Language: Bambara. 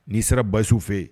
N'i sera basisiw fɛ yen